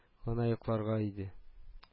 Гына йокларга иде